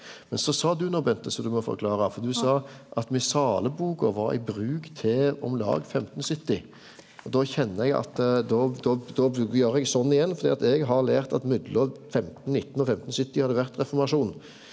men så sa du noko Bente som du må forklara for du sa at missale-boka var i bruk til om lag 1570 og då kjenner eg at då då då gjer eg sånn igjen fordi at eg har lært at mellom 1519 og 1570 har det vore reformasjon.